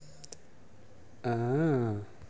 а а а а а